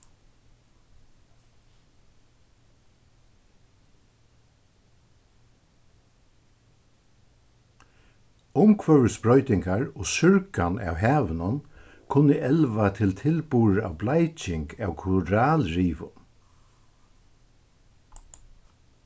umhvørvisbroytingar og súrgan av havinum kunnu elva til tilburðir av bleiking av korallrivum